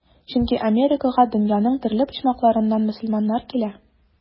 Чөнки Америкага дөньяның төрле почмакларыннан мөселманнар килә.